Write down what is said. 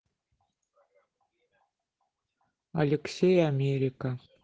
алексей америка